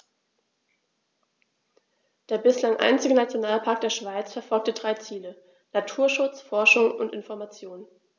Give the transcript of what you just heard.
Der bislang einzige Nationalpark der Schweiz verfolgt drei Ziele: Naturschutz, Forschung und Information.